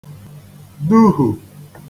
duhù